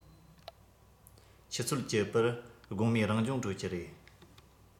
ཆུ ཚོད བཅུ པར དགོང མོའི རང སྦྱོང གྲོལ གྱི རེད